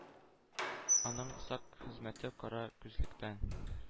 Аның сак хезмәте кара күзлектән,